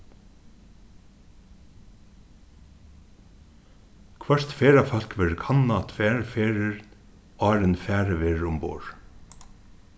hvørt ferðafólk verður kannað tvær ferðir áðrenn farið verður umborð